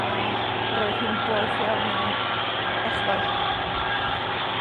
A, roedd hi'n boeth iawn, iawn echddoe.